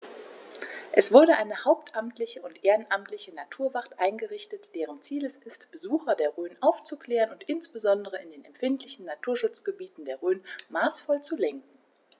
Es wurde eine hauptamtliche und ehrenamtliche Naturwacht eingerichtet, deren Ziel es ist, Besucher der Rhön aufzuklären und insbesondere in den empfindlichen Naturschutzgebieten der Rhön maßvoll zu lenken.